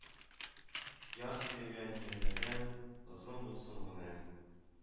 Яр сөяргә ниятләсәң, озын булсын гомерең